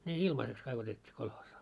ne ilmaiseksi kaikki otettiin kolhoosiin